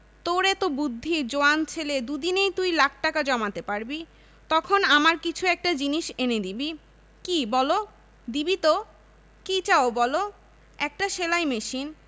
তোর এত বুদ্ধি জোয়ান ছেলে দুদিনেই তুই লাখ টাকা জমাতে পারবি তখন আমার কিছু একটা জিনিস এনে দিবি কি বলো দিবি তো কি চাও বলো একটা সেলাই মেশিন